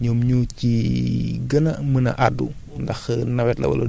peut être am na côté bu nga xamante ni waa ANACIM ñi yor wàllu météo bi